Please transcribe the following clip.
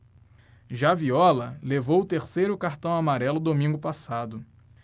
já viola levou o terceiro cartão amarelo domingo passado